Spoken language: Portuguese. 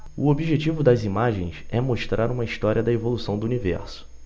o objetivo das imagens é mostrar uma história da evolução do universo